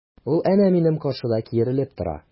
Ул әнә минем каршыда киерелеп тора!